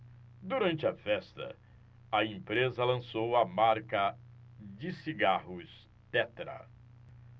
durante a festa a empresa lançou a marca de cigarros tetra